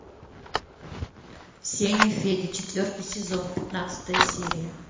сеня федя четвертый сезон пятнадцатая серия